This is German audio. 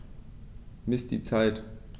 Miss die Zeit.